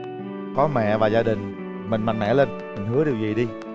có mẹ và gia đình mình mạnh mẽ lên mình hứa điều gì đi